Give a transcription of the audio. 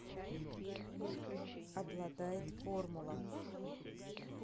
обладает формула